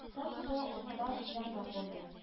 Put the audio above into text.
Фронт сызыгы артта, еракта калды